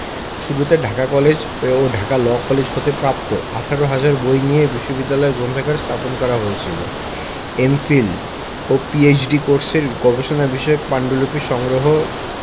শুরুতে ঢাকা কলেজ ও Dhaka law college হতে প্রাপ্ত ১৮ হাজার বই নিয়ে বিশ্ববিদ্যালয় গ্রন্থাগার স্থাপন করা হয়েছিল এম.ফিল ও পিএইচ.ডি কোর্সের গবেষণা বিষয়ক পান্ডুলিপির সংগ্রহ